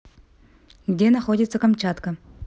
где находится камчатка